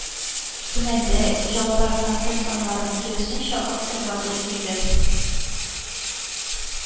Төмәндә, Ижауда концерт саннарын, киресенчә, арттырырга туры килде